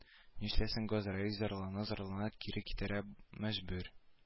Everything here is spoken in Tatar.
Нишләсен газраил зарлана-зарлана кире китәргә мәҗбүр